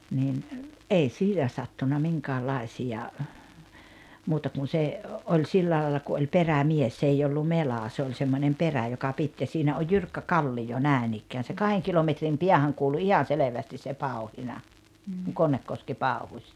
niin ei siinä sattunut minkäänlaisia muuta kun se oli sillä lailla kun oli perämies se ei ollut mela se oli semmoinen perä joka piti ja siinä on jyrkkä kallio näin ikään se kahden kilometrin päähän kuului ihan selvästi se pauhina kun Konnekoski pauhusi